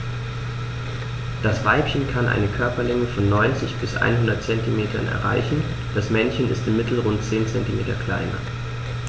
Das Weibchen kann eine Körperlänge von 90-100 cm erreichen; das Männchen ist im Mittel rund 10 cm kleiner.